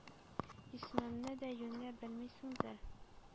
Исмемне дә юньләп белмисеңдер,